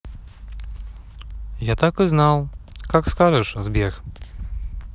я так и знал как скажешь сбер